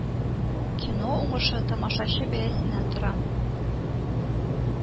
Кино уңышы тамашачы бәясеннән тора